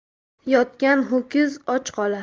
yotgan ho'kiz och qolar